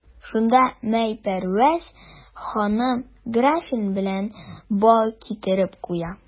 Шунда Майпәрвәз ханым графин белән бал китереп куя.